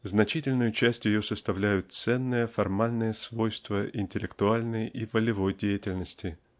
Значительную часть ее составляют ценные формальные свойства интеллектуальной и волевой деятельности.